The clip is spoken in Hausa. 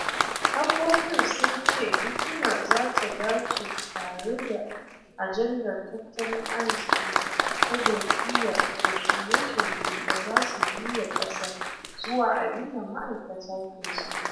Kafofin sun ce hikimar za ta 'dace' tare da ajandar tattalin arziki ta jam'iyyar da shirye-shirye da za su juya ƙasar zuwa abin da ma'aikata ke so.